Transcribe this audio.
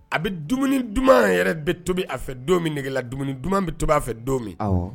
A bɛ dumuni duman yɛrɛ bɛ tobi a fɛ don min nɛgɛgela duman bɛ to b a fɛ don min